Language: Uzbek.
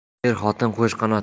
er xotin qo'shqanot